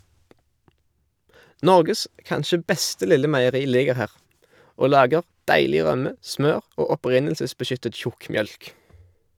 Norges kanskje beste lille meieri ligger her, og lager deilig rømme, smør og opprinnelsesbeskyttet tjukkmjølk.